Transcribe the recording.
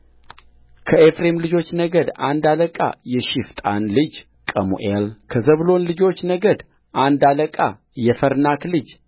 ከኤፍሬም ልጆች ነገድ አንድ አለቃ የሺፍጣን ልጅ ቀሙኤልከዛብሎን ልጆች ነገድ አንድ አለቃ የፈርናክ ልጅ